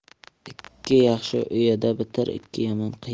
ikki yaxshi uyada bitar ikki yomon qiyada